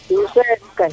im soom kay